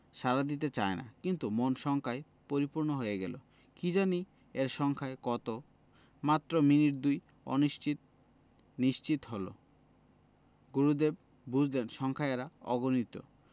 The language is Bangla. সাড়া দিতে চায় না কিন্তু মন শঙ্কায় পরিপূর্ণ হয়ে গেল কি জানি এর সংখ্যায় কত মাত্র মিনিট দুই অনিশ্চিত নিশ্চিত হলো গুরুদেব বুঝলেন সংখ্যায় এরা অগণিত